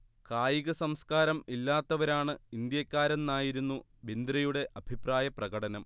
കായികസംസ്കാരം ഇല്ലാത്തവരാണ് ഇന്ത്യക്കാരെന്ന് ആയിരുന്നു ബിന്ദ്രയുടെ അഭിപ്രായ പ്രകടനം